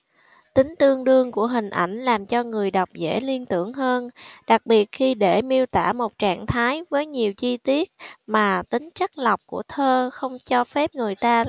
tính tương đương của hình ảnh làm cho người đọc dễ liên tưởng hơn đặc biệt khi để miêu tả một trạng thái với nhiều chi tiết mà tính chắt lọc của thơ không cho phép người ta